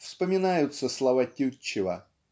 вспоминаются слова Тютчева